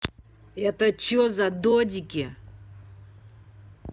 это че за додики